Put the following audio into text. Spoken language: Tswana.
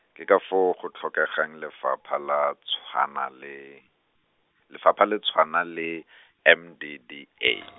ke ka foo go tlhokegang lefapha la tshwana le, lefapha le tshwana le , M D D A.